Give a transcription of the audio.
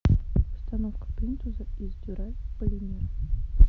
установка плинтуса из дюраль полимера